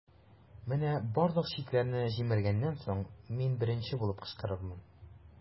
Менә барлык чикләрне җимергәннән соң, мин беренче булып кычкырырмын.